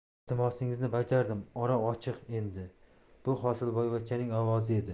iltimosingizni bajardim ora ochiq endi bu hosilboyvachchaning ovozi edi